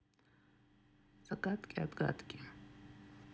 загадки отгадки